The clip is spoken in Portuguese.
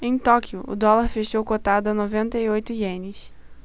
em tóquio o dólar fechou cotado a noventa e oito ienes